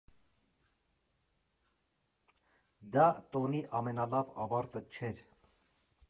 Դա տոնի ամենալավ ավարտը չէր։